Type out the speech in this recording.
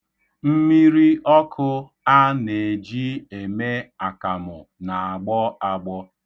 Mmiri ọkụ a na-eji eme akamụ na-agbọ agbọ.